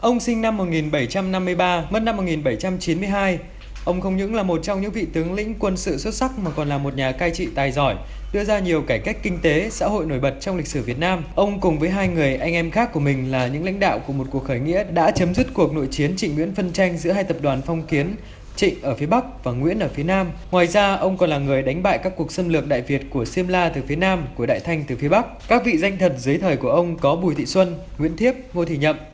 ông sinh năm một nghìn bảy trăm năm mươi ba mất năm một nghìn bảy trăm chín mươi hai ông không những là một trong những vị tướng lĩnh quân sự xuất sắc mà còn là một nhà cai trị tài giỏi đưa ra nhiều cải cách kinh tế xã hội nổi bật trong lịch sử việt nam ông cùng với hai người anh em khác của mình là những lãnh đạo của một cuộc khởi nghĩa đã chấm dứt cuộc nội chiến trịnh nguyễn phân tranh giữa hai tập đoàn phong kiến trịnh ở phía bắc và nguyễn ở phía nam ngoài ra ông còn là người đánh bại các cuộc xâm lược đại việt của xiêm la từ phía nam của đại thành từ phía bắc các vị danh thần dưới thời của ông có bùi thị xuân nguyễn thiếp ngô thì nhậm